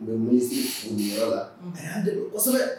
N bɛ misiyɔrɔ la a y'a de kosɛbɛ